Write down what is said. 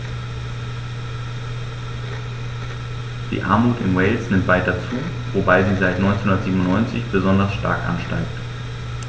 Die Armut in Wales nimmt weiter zu, wobei sie seit 1997 besonders stark ansteigt.